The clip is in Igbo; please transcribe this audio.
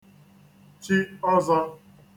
chi ọzọ̄